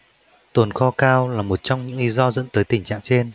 tồn kho cao là một trong những lý do dẫn tới tình trạng trên